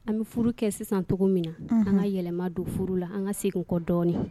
An bɛ furu kɛ sisan cogo min na an ka yɛlɛma don furu la an ka segin kɔ dɔɔnin